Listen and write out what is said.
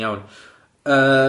Iawn yy.